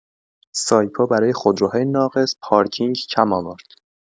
سایپا برای خودروهای ناقص، پارکینگ کم آورد!